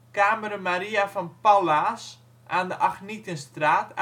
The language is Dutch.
Kameren Maria van Pallaes aan de Agnietenstraat